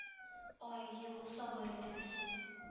- ай, юк, сабыр итегез